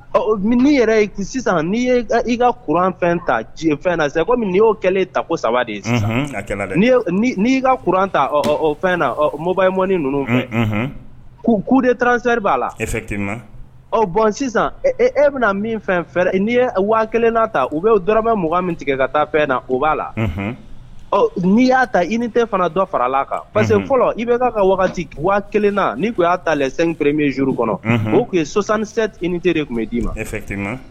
Ɔ'i yɛrɛ sisan n'i ka kuran fɛn ta fɛn na se kɔmi y'o kɛlen ta ko saba de ye' ka kuran ta fɛn na mɔ ye mɔni ninnu fɛ k'u k'u de taararansɛri b'a la e ɔ bɔn sisan e bɛna min fɛn fɛɛrɛ n'i ye waa kelen ta u bɛ dɔrɔnrama mɔgɔugan min tigɛ ka taa fɛn na o b'a la ɔ n'i y'a ta i ni tɛ fana dɔ farala kan parce que fɔlɔ i bɛ ka wagati waa kelen na' y'a ta laerere minjuru kɔnɔ o tun ye sɔsan i ni teri de tun bɛ d'i ma